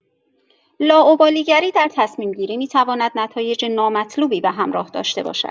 لاابالی‌گری در تصمیم‌گیری می‌تواند نتایج نامطلوبی به همراه داشته باشد.